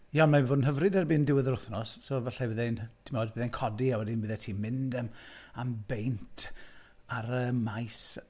Ie, ond mae fod yn hyfryd erbyn diwedd yr wythnos. So falle fyddai'n tibod, bydde'n codi a wedyn byddai ti'n mynd am am beint ar y maes.